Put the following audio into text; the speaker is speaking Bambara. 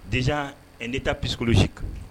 Dez ne taa pkolosi